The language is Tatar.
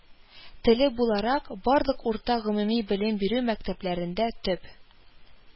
Теле буларак, барлык урта гомуми белем бирү мəктəплəрендə төп